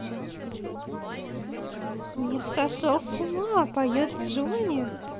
мир сошел с ума поет джонни